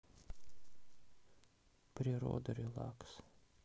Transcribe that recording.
природа релакс